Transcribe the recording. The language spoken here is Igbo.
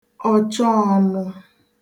ọ̀chọọnụ̄